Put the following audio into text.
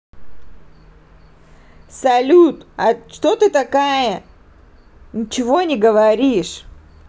салют а что ты такая ничего не говоришь